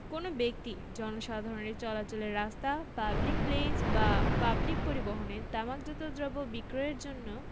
কোন বেক্তি জনসাধারনের চলাচলের রাস্তা পাবলিকপ্লেস বা পাবলিক পরিবহনের তামাকজাত পন্য বিক্রয়ের জন্য